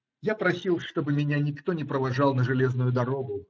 -------------- Я просил, чтобы меня никто не провожал на железную дорогу.